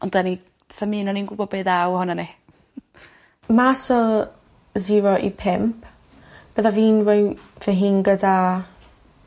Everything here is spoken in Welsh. ond 'dyn ni... 'Sam un o ni'n gwybo be' ddaw ohonon ni. Mas o sero i pump bydda fi'n roi fy hun gyda